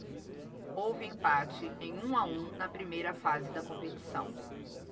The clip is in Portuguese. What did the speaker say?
houve empate em um a um na primeira fase da competição